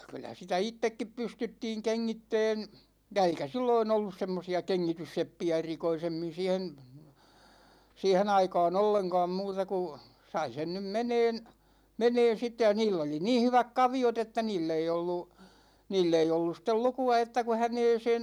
kyllä sitä itsekin pystyttiin kengittämään ja eikä silloin ollut semmoisia kengitysseppiä erikoisemmin siihen siihen aikaan ollenkaan muuta kuin sai sen nyt menemään menemään sitten ja niillä oli niin hyvät kaviot että niillä ei ollut niillä ei ollut sitten lukua että kun häneen